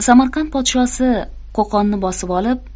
samarqand podshosi qo'qonni bosib olib